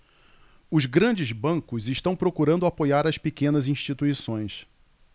os grandes bancos estão procurando apoiar as pequenas instituições